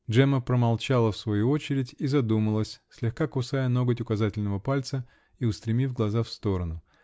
Джемма промолчала в свою очередь и задумалась, слегка кусая ноготь указательного пальца и устремив глаза в сторону.